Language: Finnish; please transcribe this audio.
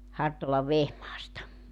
Hartolan Vehmaasta